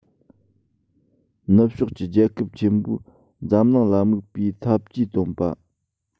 ནུབ ཕྱོགས ཀྱི རྒྱལ ཁབ ཆེན པོས འཛམ གླིང ལ དམིགས པའི འཐབ ཇུས བཏོན པ